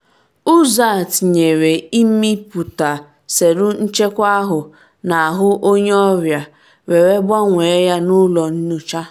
Ụzọ a tinyere ịmịpụta selụ nchekwa ahụ n’ahụ onye ọrịa, were gbanwee ya n’ụlọ nyocha